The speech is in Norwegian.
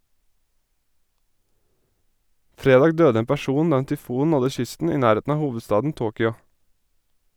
Fredag døde en person da en tyfon nådde kysten i nærheten av hovedstaden Tokyo.